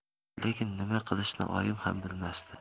lekin nima qilishni oyim ham bilmasdi